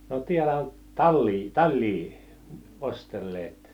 no täällä on talia talia ostelleet